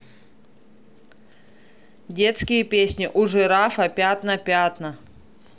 детские песни у жирафа пятна пятна